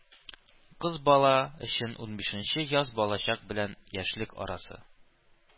Кыз бала өчен унбишенче яз балачак белән яшьлек арасы.